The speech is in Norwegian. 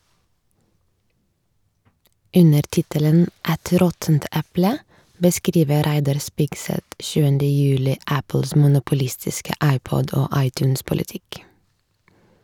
Under tittelen «Et råttent eple» beskriver Reidar Spigseth 7. juli Apples monopolistiske iPod- og iTunes-politikk.